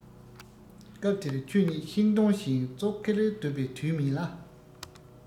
སྐབས དེར ཁྱོད ཉིད ཤིང སྡོང བཞིན ཙོག གེར སྡོད པའི དུས མིན ལ